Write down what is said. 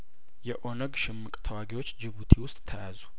የኦነግ ሽምቅ ተዋጊዎች ጅቡቲ ውስጥ ተያዙ